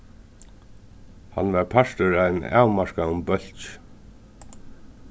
hann var partur av einum avmarkaðum bólki